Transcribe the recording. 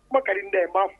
Kumakari dɛ b'a fɔ